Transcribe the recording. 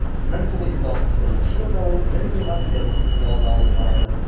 1961 елда ул бер елга түләүсез ял да алып карады.